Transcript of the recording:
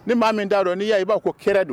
Ni maa min d' dɔn n'i ya i b'a ko kɛ don